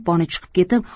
poni chiqib ketib